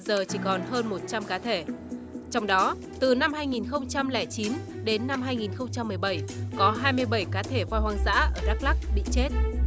giờ chỉ còn hơn một trăm cá thể trong đó từ năm hai nghìn không trăm lẻ chín đến năm hai nghìn không trăm mười bảy có hai mươi bảy cá thể voi hoang dã ở đắc lắc bị chết